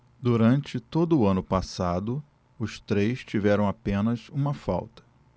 durante todo o ano passado os três tiveram apenas uma falta